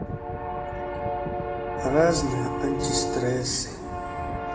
разные антистрессы